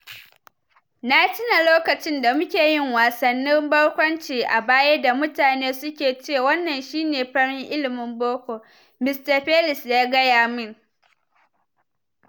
“Na tuna lokacinda muke yin wasannin barkwanci a baya da mutane suka ce, "wannan shi ne farin ilimin boko,"" Mr Fleiss ya gaya min.